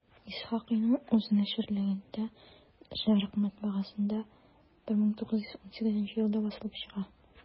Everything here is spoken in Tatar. Исхакыйның үз наширлегендә «Шәрекъ» матбагасында 1918 елда басылып чыга.